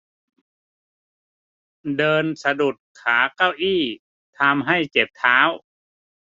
เดินสะดุดขาเก้าอี้ทำให้เจ็บเท้า